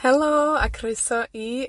Helo, a croeso i...